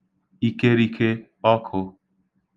ikerike ọkụ̄